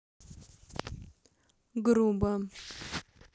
грубо